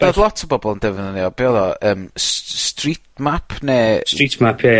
be' odd lot o bobol yn defnyddio be' odd o yym S- S- Street Map ne'... Street Map ie ie.